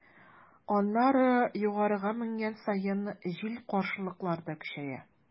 Аннары, югарыга менгән саен, җил-каршылыклар да көчәя.